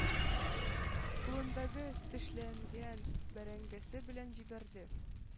Кулындагы тешләнгән бәрәңгесе белән җибәрде...